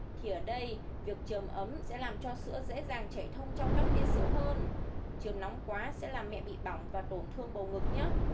thì ở đây việc chườm ấm sẽ làm cho sữa dề dàng chảy thông trong các tia sữa hơn chườm nóng quá sẽ làm mẹ bị bỏng và tổn thương bầu ngực nhé